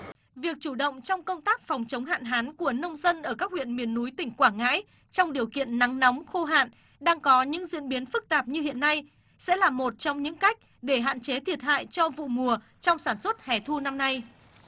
việc chủ động trong công tác phòng chống hạn hán của nông dân ở các huyện miền núi tỉnh quảng ngãi trong điều kiện nắng nóng khô hạn đang có những diễn biến phức tạp như hiện nay sẽ là một trong những cách để hạn chế thiệt hại cho vụ mùa trong sản xuất hè thu năm nay